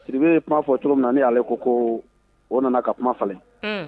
Sibe ye kuma fɔ cogo min na ni ale ko ko o nana ka kuma falen